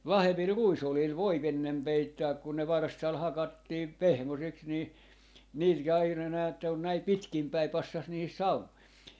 vahvemmilla ruisoljilla voi ennen peittää kun ne varstalla hakattiin pehmoiseksi niin niillä ja aina näette on näin pitkin päin passasi niihin saumoihin